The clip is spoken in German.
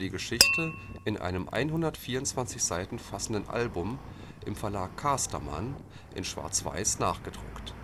Geschichte in einem 124 Seiten fassenden Album im Verlag Casterman in schwarzweiß nachgedruckt